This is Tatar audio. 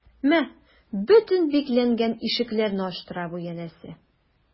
Мә, бөтен бикләнгән ишекләрне ачтыра бу, янәсе...